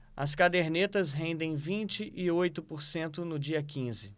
as cadernetas rendem vinte e oito por cento no dia quinze